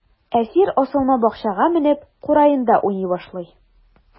Әсир асылма бакчага менеп, кураенда уйный башлый.